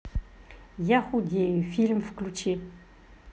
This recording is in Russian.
я худею фильм включи